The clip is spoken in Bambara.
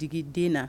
terikɛ den na!